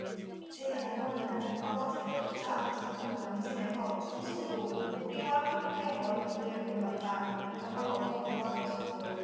제 어머니는 아버지를 쫓아 중국 난징에서 충칭으로 우리와 함께 먼 길에 올랐다 병을 얻어 돌아가셨어요